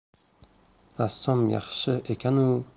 rassom yaxshi ekanu